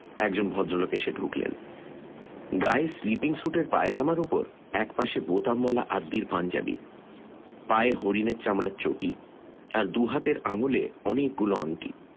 একজন ভদ্রলোক এসে ঢুকলেন গায়ে স্লিপিং সুটের পায়জামার উপর একপাশে বোতামওয়ালা আদির পাঞ্জাবি পায়ে হরিণের চামড়ার চটি আর দুহাতের আঙুলে অনেকগুলো আংটি